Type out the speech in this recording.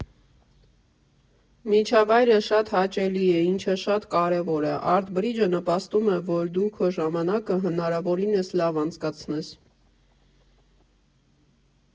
Միջավայրը շատ հաճելի է, ինչը շատ կարևոր է, Արտ Բրիջը նպաստում է, որ դու քո ժամանակը հնարավորինս լավ անցկացնես։